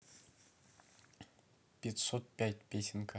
пятьсот пять песенка